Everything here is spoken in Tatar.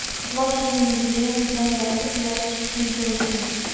Котлап сине юбилеең белән, якты кояш сипсен җылысын.